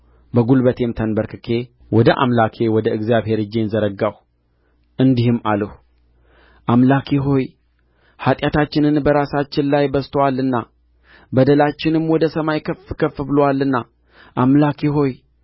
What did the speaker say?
በጕልበቴም ተንበርክኬ ወደ አምላኬ ወደ እግዚአብሔር እጄን ዘረጋሁ እንዲህም አልሁ አምላኬ ሆይ ኃጢአታችን በራሳችን ላይ በዝቶአልና በደላችንም ወደ ሰማይ ከፍ ከፍ ብሎአልና አምላኬ ሆይ